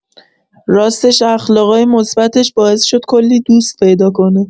راستش اخلاقای مثبتش باعث شد کلی دوست پیدا کنه.